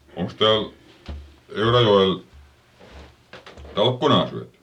onkos täällä Eurajoella talkkunaa syöty